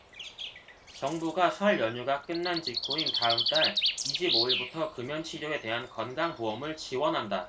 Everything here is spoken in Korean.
정부가 설 연휴가 끝난 직후인 다음 달 이십 오 일부터 금연치료에 대해 건강보험을 지원한다